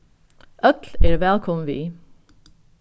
øll eru vælkomin við